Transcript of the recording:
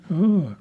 ja